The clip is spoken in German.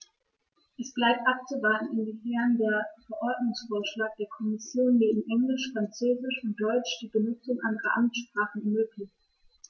Es bleibt abzuwarten, inwiefern der Verordnungsvorschlag der Kommission neben Englisch, Französisch und Deutsch die Benutzung anderer Amtssprachen ermöglicht.